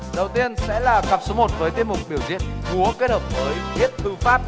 đầu tiên sẽ là cặp số một với tiết mục biểu diễn múa kết hợp với viết thư pháp